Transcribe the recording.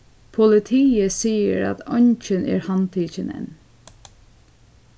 politiið sigur at eingin er handtikin enn